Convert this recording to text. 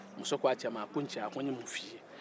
muso ko a cɛ ma ko n ye mun fɔ i ye n cɛ